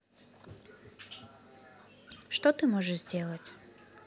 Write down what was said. что ты можешь сделать